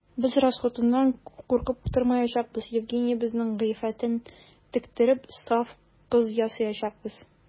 Без расхутыннан куркып тормаячакбыз: Евгениябезнең гыйффәтен тектереп, саф кыз ясаячакбыз.